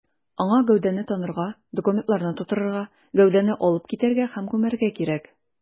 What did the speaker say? Аңа гәүдәне танырга, документларны турырга, гәүдәне алып китәргә һәм күмәргә кирәк.